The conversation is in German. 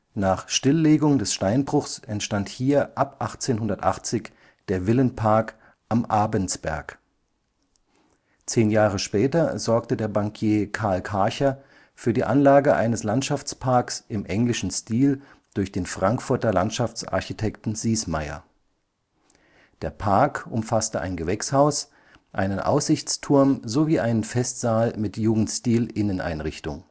Nach Stilllegung des Steinbruchs entstand hier ab 1880 der Villenpark „ Am Abendsberg “. Zehn Jahre später sorgte der Bankier Karl Karcher für die Anlage eines Landschaftsparks im englischen Stil durch den Frankfurter Landschaftsarchitekten Siesmayer. Der Park umfasste ein Gewächshaus, einen Aussichtsturm sowie einen Festsaal mit Jugendstil-Inneneinrichtung